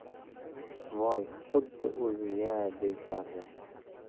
voy xuddi o'zi ya deyishardi